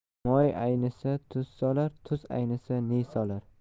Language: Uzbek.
moy aynisa tuz solar tuz aynisa ne solar